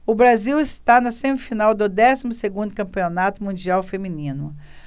o brasil está na semifinal do décimo segundo campeonato mundial feminino